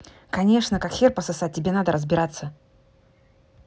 конечно как хер пососать тебе надо разбираться